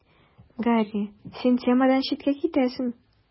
Гарри: Син темадан читкә китәсең.